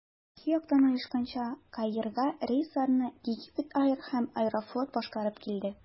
Тарихи яктан оешканча, Каирга рейсларны Egypt Air һәм «Аэрофлот» башкарып килде.